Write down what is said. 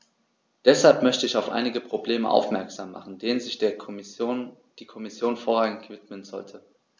Deshalb möchte ich auf einige Probleme aufmerksam machen, denen sich die Kommission vorrangig widmen sollte.